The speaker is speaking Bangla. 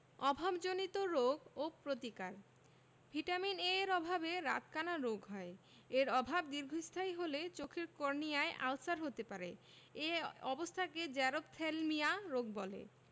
অভাবজনিত রোগ ও প্রতিকার ভিটামিন A এর অভাবে রাতকানা রোগ হয় এর অভাব দীর্ঘস্থায়ী হলে চোখের কর্নিয়ায় আলসার হতে পারে এ অবস্থাকে জেরপ্থ্যালমিয়া রোগ বলে